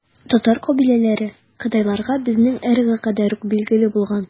Татар кабиләләре кытайларга безнең эрага кадәр үк билгеле булган.